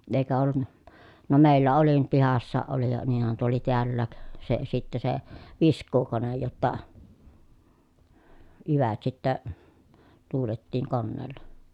eikä ollut no meillä oli nyt pihassakin oli ja niinhän tuo oli täälläkin se sitten se viskuukone jotta jyvät sitten tuuletettiin koneella